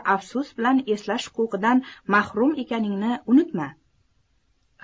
afsus bilan eslash huquqidan mahrum ekaningni unutma